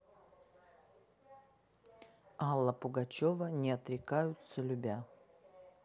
алла пугачева не отрекаются любя